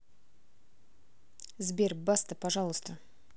сбер баста пожалуйста